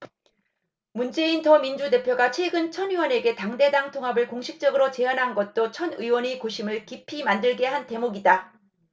문재인 더민주 대표가 최근 천 의원에게 당대 당 통합을 공식적으로 제안한 것도 천 의원의 고심을 깊어 만들게 한 대목이다